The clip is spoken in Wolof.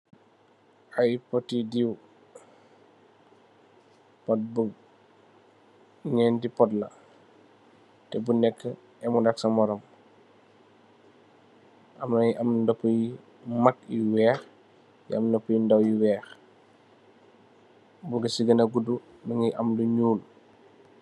Ay poti diiwpot bu nyenti potla tebunekeu emulak sa morom amna yu am ay ndopu yu mak yu weex busi gina gudu mungi am lu nyool